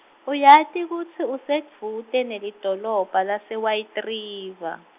uyati kutsi usedvute nelidolobha lase- White River.